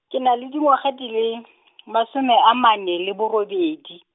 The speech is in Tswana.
ke na le dingwaga di le , masome amane le borobedi.